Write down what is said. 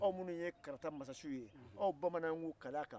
aw minnu karata mansasiw ye aw bamanan k'u kale a kan